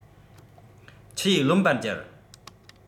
ཆུ ཡིས བློན པ གྱུར